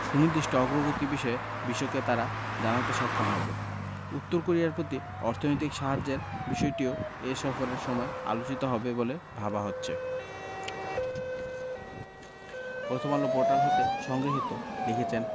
সুনির্দিষ্ট অগ্রগতি বিষয়ে বিশ্বকে তারা জানাতে সক্ষম হবে উত্তর কোরিয়ার প্রতি অর্থনৈতিক সাহায্যের বিষয়টিও এই সফরের সময় আলোচিত হবে বলে ভাবা হচ্ছে প্রথমআলো পোর্টাল হতে সংগৃহীত লিখেছেন